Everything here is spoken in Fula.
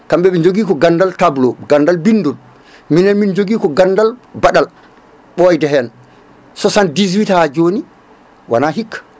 kaɓe ɓe jogui ko gandal tableau gandal binndol minen min joogui ko gandal baɗal ɓoyde hen 78 ha joni wona hikka